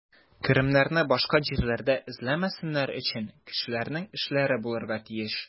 Керемнәрне башка җирләрдә эзләмәсеннәр өчен, кешеләрнең эшләре булырга тиеш.